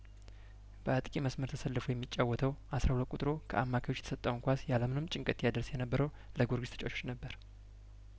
በአጥቂ መስመር ተሰልፎ የሚጫወተው አስራ ሁለት ቁጥሩ ከአማካዮች የተሰጠውን ኳስ ያለ ምንም ጭንቀት ያደርስ የነበረው ለጊዮርጊስ ተጫዋቾች ነበር